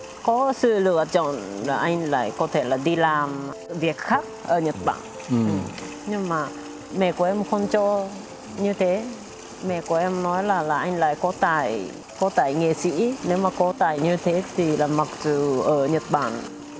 có sự lựa chọn là anh lại có thể là đi làm việc khác ở nhật bản nhưng mà mẹ của em không cho như thế mẹ của em nói là là anh lại có tài có tài nghệ sỹ nếu mà có tài như thế thì là mặc dù ở nhật bản